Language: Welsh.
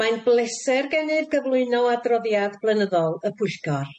Mae'n bleser gennyf gyflwyno adroddiad blynyddol y Pwyllgor.